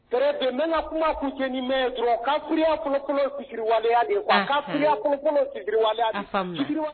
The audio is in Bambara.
Bɛn bɛna kuma kuse ni mɛn dɔrɔn ka kolo